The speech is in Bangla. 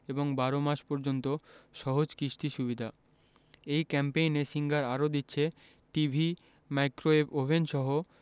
এবং ১২ মাস পর্যন্ত সহজ কিস্তি সুবিধা এই ক্যাম্পেইনে সিঙ্গার আরো দিচ্ছে টিভি মাইক্রোওয়েভ ওভেনসহ